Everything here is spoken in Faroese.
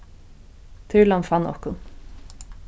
tyrlan fann okkum